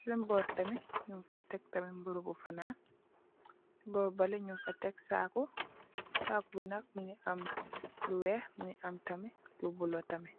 sen borr tamin nugfa tek tamin muru bu fanan borr bole nugfa tek saku saku be nak muge am lu weex muge am tamin lu bulo tamin.